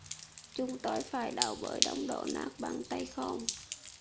chúng tôi phải đào bới đống đổ nát bằng tay không